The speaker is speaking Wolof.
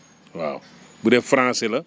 waaw bu dee fraçais la